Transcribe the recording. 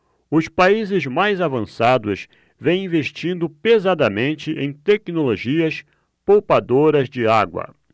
os países mais avançados vêm investindo pesadamente em tecnologias poupadoras de água